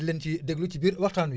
di leen ci déglu ci biir waxtaan wi